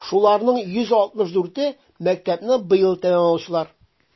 Шуларның 164е - мәктәпне быел тәмамлаучылар.